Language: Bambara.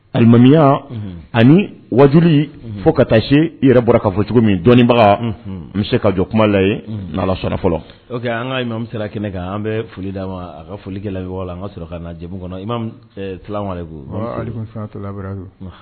Alimamiya ani wadu fo ka taa se i yɛrɛ bɔra ka fɔ cogo min dɔnnibaga n bɛ se ka jɔ kuma layi sɔrɔ fɔlɔ an ka an bɛ se kɛnɛ kan an bɛ foli da ma a ka foli la an ka sɔrɔ' na jɛ kɔnɔ i tila wɛrɛ